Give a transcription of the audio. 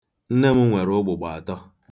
Nne m nwere ụgbụgba atọ.